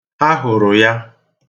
Ha hụrụ ya.